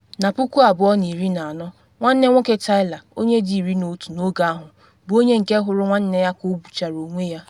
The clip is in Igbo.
Na 2014, nwanne nwoke Tyler, onye dị 11 n’oge ahụ, bụ onye nke hụrụ nwanne ya ka o gbuchara onwe ya.